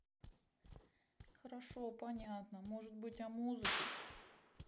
хорошо понятно может быть о музыке